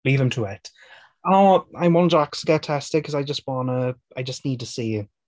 Leave them to it. Oh, I want Jaques to get tested, because I just want to... I just need to see.